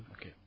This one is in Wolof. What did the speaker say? ok